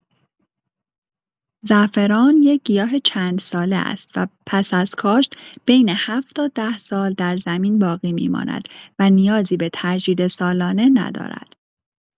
زعفران یک گیاه چندساله است و پس از کاشت، بین ۷ تا ۱۰ سال در زمین باقی می‌ماند و نیازی به تجدید سالانه ندارد.